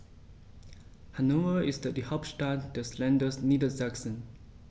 Hannover ist die Hauptstadt des Landes Niedersachsen.